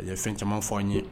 Ɛ ye fɛn caman fɔ an' ɲe